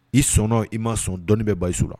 I sɔnna o i ma sɔn dɔni bɛ Bahisu la